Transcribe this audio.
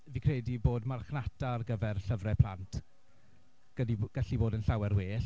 Fi credu bod marchnata ar gyfer llyfrau plant gydi- gallu bod yn llawer well.